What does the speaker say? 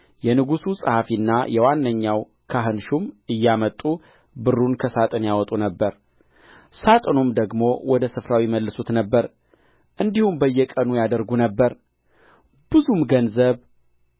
የንጉሡ ጸሐፊና የዋነኛው ካህን ሹም እየመጡ ብሩን ከሣጥን ያወጡ ነበር ሣጥኑንም ደግሞ ወደ ስፍራው ይመልሱት ነበር እንዲሁም በየቀኑ ያደርጉ ነበር ብዙም ገንዘብ